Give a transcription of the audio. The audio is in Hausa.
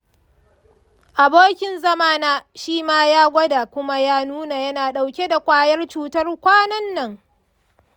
abokin zamana shi ma ya gwada kuma ya nuna yana dauke da kwayar cutar kwanan nan.